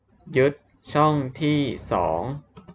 ยึดช่องที่สอง